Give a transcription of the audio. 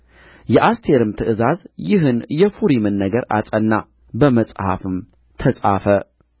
የአስቴርም ትእዛዝ ይህን የፉሪምን ነገር አጸና በመጽሐፍም ተጻፈ